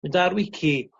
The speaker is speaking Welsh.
mynd ar Wici